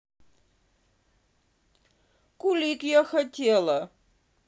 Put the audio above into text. kulik я хотела